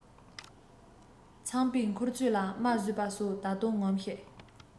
ཚངས པའི མཁུར ཚོས ལ རྨ བཟོས པ སོགས ད དུང ངོམས ཤིག